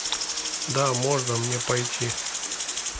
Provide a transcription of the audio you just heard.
да можно мне пойти